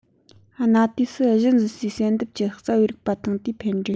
གནའ དུས སུ གཞི འཛིན སའི བསལ འདེམས ཀྱི རྩ བའི རིགས པ དང དེའི ཕན འབྲ